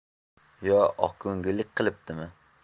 yo oqko'ngillik qilibdimi